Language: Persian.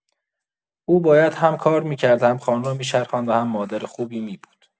او باید هم کار می‌کرد، هم‌خانه را می‌چرخاند و هم مادر خوبی می‌بود.